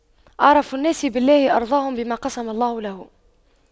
أعرف الناس بالله أرضاهم بما قسم الله له